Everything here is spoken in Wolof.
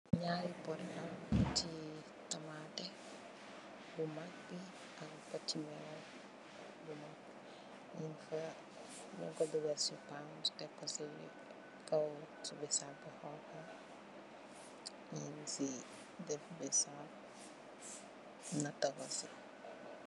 Nyarri poti tamateh bu mak bi am poti meew bu mak bi nyung ku dugal si pan tek ku si kaw bisap bu xhong khu bi nyung si daf bisap natakoh si